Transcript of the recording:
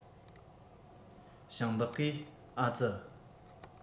ཞིང བདག གིས ཨ ཙི